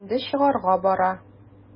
Инде чыгарга бара.